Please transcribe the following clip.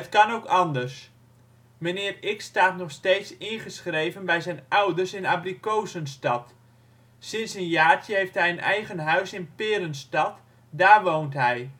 kan ook anders: Meneer x staat nog steeds ingeschreven bij zijn ouders in Abrikozenstad. Sinds een jaartje heeft hij een eigen huis in Perenstad, daar woont hij